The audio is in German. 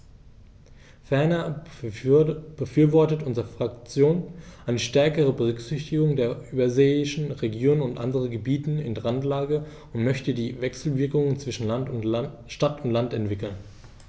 Ferner befürwortet unsere Fraktion eine stärkere Berücksichtigung der überseeischen Regionen und anderen Gebieten in Randlage und möchte die Wechselwirkungen zwischen Stadt und Land entwickeln.